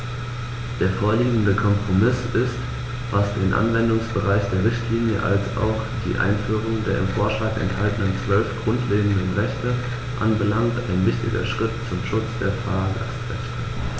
Der vorliegende Kompromiss ist, was den Anwendungsbereich der Richtlinie als auch die Einführung der im Vorschlag enthaltenen 12 grundlegenden Rechte anbelangt, ein wichtiger Schritt zum Schutz der Fahrgastrechte.